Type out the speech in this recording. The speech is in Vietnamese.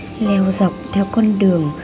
leo dọc theo con đường